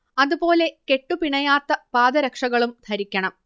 അതു പോലെ കെട്ടു പിണയാത്ത പാദരക്ഷകളും ധരിക്കണം